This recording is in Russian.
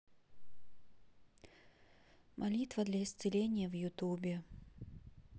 молитва для исцеления в ютубе